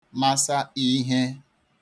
masa ihe